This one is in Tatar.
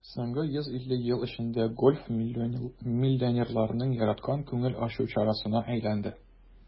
Соңгы 150 ел эчендә гольф миллионерларның яраткан күңел ачу чарасына әйләнде.